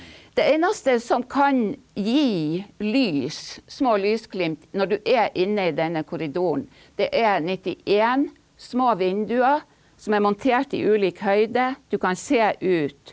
det eneste som kan gi lys, små lysglimt når du er inne i denne korridoren, det er 91 små vinduer som er montert i ulik høyde du kan se ut.